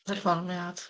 Perfformiad?